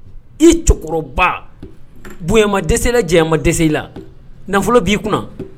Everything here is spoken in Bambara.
I cɛkɔrɔba bonya ma dɛsɛ i la janya ma dɛsɛ i la nafolo b'i kunna